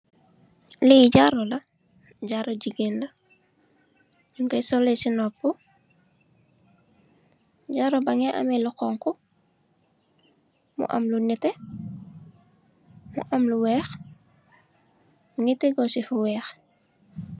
Li jaaru la jaaru jigeen la nyu koi sol le si nopu jaaru bagi ame lu xonxu mu am lu nete mu am lu weex mongi tegu si fu weex.